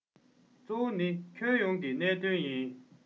གཙོ བོ ནི ཁྱོན ཡོངས ཀྱི གནད དོན ཡིན